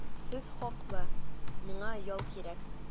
Сез хаклы, миңа ял кирәк.